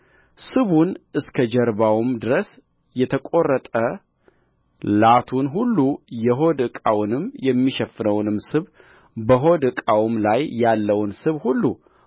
ስቡን እስከ ጀርባውም ድረስ የተቈረጠ ላቱን ሁሉ የሆድ ዕቃውንም የሚሸፍነውን ስብ በሆድ ዕቃውም ላይ ያለውን ስብ ሁሉ